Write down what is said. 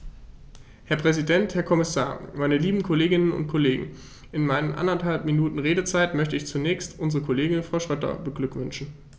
Herr Präsident, Herr Kommissar, meine lieben Kolleginnen und Kollegen, in meinen anderthalb Minuten Redezeit möchte ich zunächst unsere Kollegin Frau Schroedter beglückwünschen.